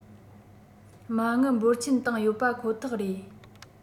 མ དངུལ འབོར ཆེན བཏང ཡོད པ ཁོ ཐག རེད